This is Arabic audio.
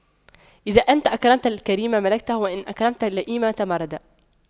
إذا أنت أكرمت الكريم ملكته وإن أنت أكرمت اللئيم تمردا